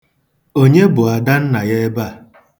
Onye bụ Adannaya ebe a?